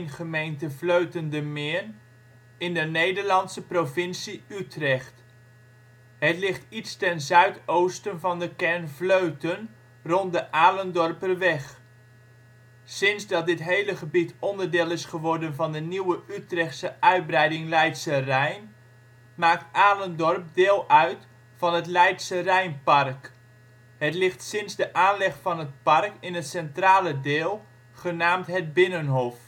gemeente Vleuten-De Meern), in de Nederlandse provincie Utrecht. Het ligt iets ten zuidoosten van de kern Vleuten, rond de Alendorperweg. Sinds dat dit hele gebied onderdeel geworden is van de nieuwe Utrechtse uitbreiding Leidsche Rijn, maakt Alendorp deel uit van het Leidsche Rijn Park. Het ligt sinds de aanleg van het park in het centrale deel, genaamd Het Binnenhof